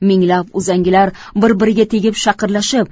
minglab uzangilar bir biriga tegib shaqirlashib